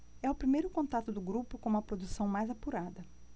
é o primeiro contato do grupo com uma produção mais apurada